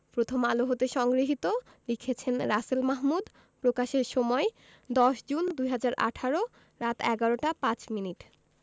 প্রথমআলো হতে সংগৃহীত লিখেছেন রাসেল মাহ্ মুদ প্রকাশের সময় ১০ জুন ২০১৮ রাত ১১টা ৫ মিনিট